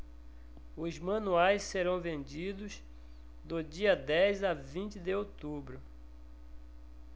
os manuais serão vendidos do dia dez a vinte de outubro